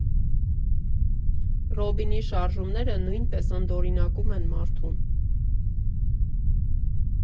Ռոբինի շարժումները նույնպես ընդօրինակում են մարդուն .